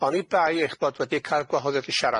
oni bai eich bod wedi cael gwahoddiad i siarad.